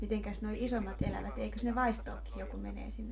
mitenkäs nuo isommat elävät eikös ne vaistoakin jo kun menee sinne